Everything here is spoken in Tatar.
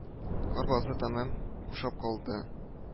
Кар базы тәмам бушап калды